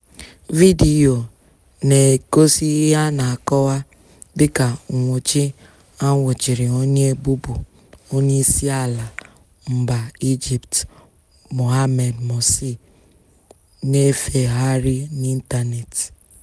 Vidiyo na-egosi ihe a na-akọwa dịka nnwuchi anwuchiri onye bụbu onyeisiala mba Ijipt Mohamed Morsi na-efegharị n'ịntanetị.